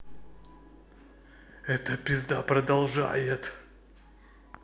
это пизда продолжает